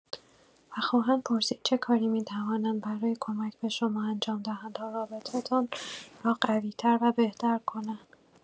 و خواهند پرسید چه کاری می‌توانند برای کمک به شما انجام دهند تا رابطه‌تان را قوی‌تر و بهتر کنند.